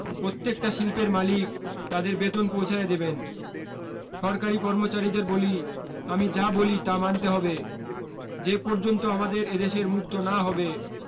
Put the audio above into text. প্রত্যেকটা শিল্পের মালিক তাদের বেতন পৌঁছাইয়া দেবেন সরকারি কর্মচারীদের বলি আমি যা বলি তা মানতে হবে যে পর্যন্ত আমার এদেশের মুক্ত না হবে